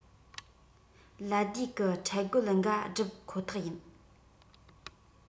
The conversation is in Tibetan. ལད ཟློས གི འཕྲལ རྒོལ འགའ བསྒྲུབ ཁོ ཐག ཡིན